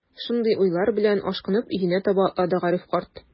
Шундый уйлар белән, ашкынып өенә таба атлады Гариф карт.